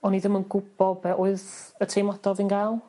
o'n i ddim yn gwbo be' oedd y teimlada o' fi'n ga'l.